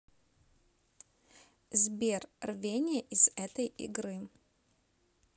сбер рвение из этой игры